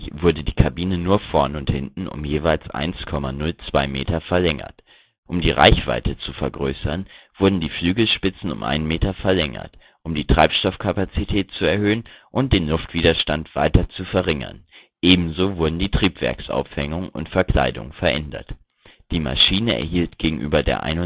wurde die Kabine nur vorne und hinten um jeweils 1,02 m verlängert. Um die Reichweite zu vergrößern, wurden die Flügelspitzen um einen Meter verlängert, um die Treibstoffkapazität zu erhöhen und den Luftwiderstand weiter zu verringern, ebenso wurden die Triebwerksaufhängungen und Verkleidungen verändert. Die Maschine erhielt gegenüber der -61